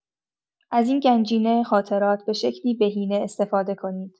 از این گنجینه خاطرات به شکلی بهینه استفاده کنید.